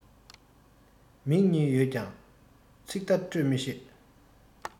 མིག གཉིས ཡོད ཀྱང ཚིག བརྡ སྤྲོད མི ཤེས